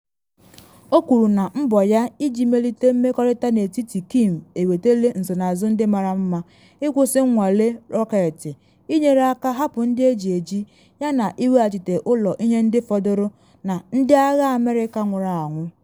O kwuru na mbọ ya iji melite mmerịkọta n’etiti Kim ewetele nsonaazụ ndị mara mma - ịkwụsị nnwale rọketị, ịnyere aka hapụ ndị eji eji yana iweghachite ụlọ ihe ndị fọdụrụ na ndị agha America nwụrụ anwụ.